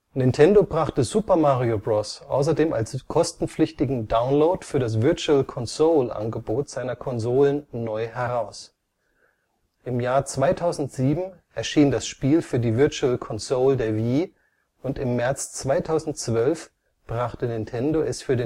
Nintendo brachte Super Mario Bros. außerdem als kostenpflichtigen Download für das Virtual-Console-Angebot seiner Konsolen neu heraus. Im Januar 2007 erschien das Spiel für die Virtual Console der Wii und im März 2012 brachte Nintendo es für